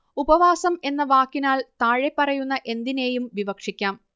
ഉപവാസം എന്ന വാക്കിനാൽ താഴെപ്പറയുന്ന എന്തിനേയും വിവക്ഷിക്കാം